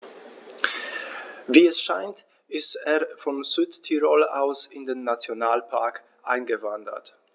Wie es scheint, ist er von Südtirol aus in den Nationalpark eingewandert.